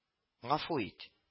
— гафү ит…